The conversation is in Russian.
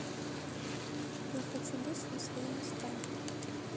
я хочу лечь на свои места